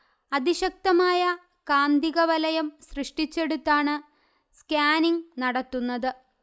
അതിശക്തമായ കാന്തിക വലയം സൃഷ്ടിച്ചെടുത്താണ് സ്കാനിങ് നടത്തുന്നത്